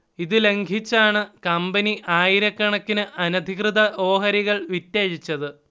ഇതു ലംഘിച്ചാണ് കമ്പനി ആയിരക്കണക്കിന് അനധികൃത ഓഹരികൾ വിറ്റഴിച്ചത്